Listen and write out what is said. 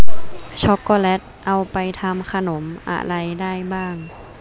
ช็อกโกแลตเอาไปทำขนมอะไรได้บ้าง